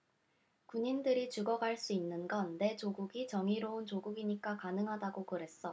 군인들이 죽어갈 수 있는 건 내 조국이 정의로운 조국이니까 가능하다고 그랬어